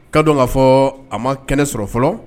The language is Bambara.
Ka dɔn k'a fɔ a ma kɛnɛ sɔrɔ fɔlɔ